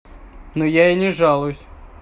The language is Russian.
ну я и не жалуюсь